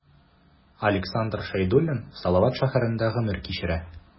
Александр Шәйдуллин Салават шәһәрендә гомер кичерә.